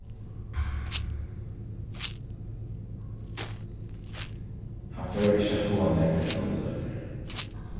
hann fór ikki at fáa nakrar trupulleikar